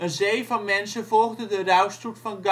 zee van mensen volgde de rouwstoet van